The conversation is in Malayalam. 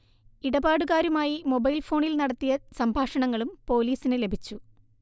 ഇടപാടുകാരുമായി മൊബൈൽഫോണിൽ നടത്തിയ സംഭാഷണങ്ങളും പോലീസിന് ലഭിച്ചു